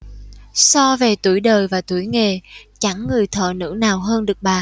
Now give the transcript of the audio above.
so về tuổi đời và tuổi nghề chẳng người thợ nữ nào hơn được bà